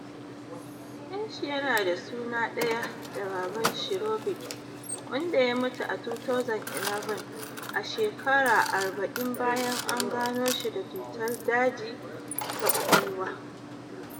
Dan shi yana da suna daya da baban shi Robert, wanda ya mutu a 2011 a shekara 40 bayan an gano shi da cutar daji ta kwakwalwa.